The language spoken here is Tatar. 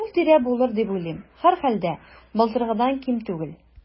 Шул тирә булыр дип уйлыйм, һәрхәлдә, былтыргыдан ким түгел.